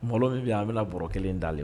Malo min bɛ yan an bɛna bɔrɛ kelen d'ale